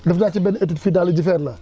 def naa ci benn étude fii dans le Djifer là